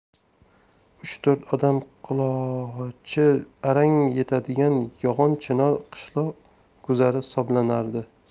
uch to'rt odam qulochi arang yetadigan yo'g'on chinor qishloq guzari hisoblanardi